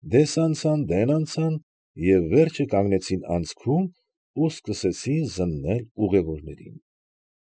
Դես անցան, դեն անցան և վերջը կանգնեցին անցքում ու սկսեցին զննել ուղևորներին։